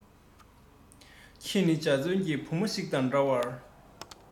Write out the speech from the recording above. ཁྱེད ནི འཇའ ཚོན གྱི བུ མོ ཞིག དང འདྲ བར